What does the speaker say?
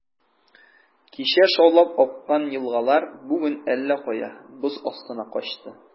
Кичә шаулап аккан елгалар бүген әллә кая, боз астына качты.